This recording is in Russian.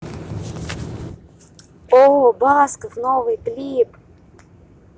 басков новый клип